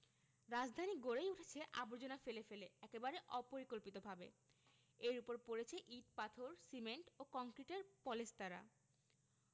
রাজধানী গড়েই উঠেছে আবর্জনা ফেলে ফেলে একেবারেই অপরিকল্পিতভাবে এর ওপর পড়েছে ইট পাথর সিমেন্ট ও কংক্রিটের পলেস্তারা